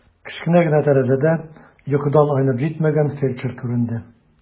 Кечкенә генә тәрәзәдә йокыдан айнып җитмәгән фельдшер күренде.